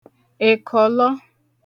èkọ̀lọ